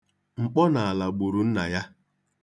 Mkpọnala gburu nna ya.